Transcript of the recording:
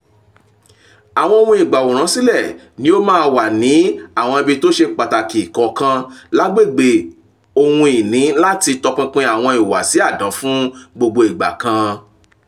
Àwọn ohun ìgbàwòrán sílẹ̀ ní ó máa wà ní àwọn ibí tó ṣe pàtàkì kọ̀ọ̀kan lágbègbè ohun ìní láti tọpinpin àwọn ìhùwàsí àdan fún gbogbo ìgbà kan.